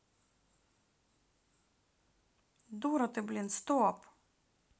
дура ты блин стоп